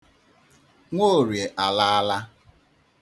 Nwoorie alaala.